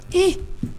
Ee!